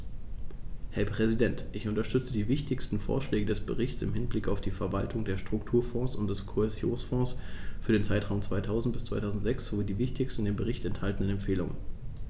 Herr Präsident, ich unterstütze die wichtigsten Vorschläge des Berichts im Hinblick auf die Verwaltung der Strukturfonds und des Kohäsionsfonds für den Zeitraum 2000-2006 sowie die wichtigsten in dem Bericht enthaltenen Empfehlungen.